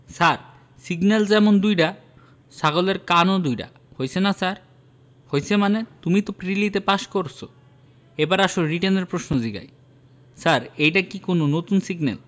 ছার signal যেমুন দুইডা ছাগলের কানও দুইডা হইছে না ছার হইছে মানে তুমি তো প্রিলিতে পাস করছ এইবার আসো রিটেনের প্রশ্ন জিগাই... ছার এইডা কি কুনো নতুন সিগনেল